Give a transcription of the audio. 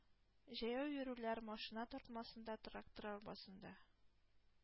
Җәяү йөрүләр, машина тартмасында, трактор арбасында,